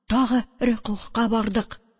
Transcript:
Тагы рөкүгъка бардык.